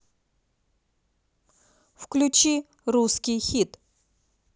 включи русский хит